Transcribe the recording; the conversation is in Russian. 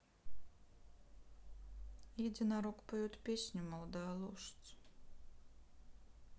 единорог поет песню молодая лошадь